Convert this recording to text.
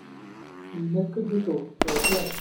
มีเม็ดขึ้นที่ตูดปวดด้วย